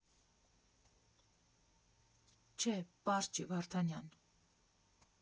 ֊ Չէ, պարզ չի, Վարդանյան…